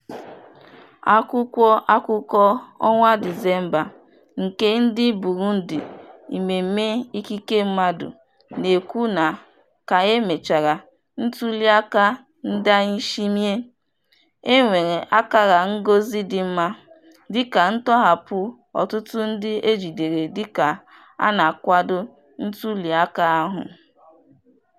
Akwụkwọ akụkọ ọnwa Disemba nke ndị Burundi Human Rights Initiative na-ekwu na, ka e mechara ntuliaka Ndayishimye, e nwere akara ngosị dị mma, dịka ntọhapụ ọtụtụ ndị e jidere dịka a na-akwado ntuliaka ahụ.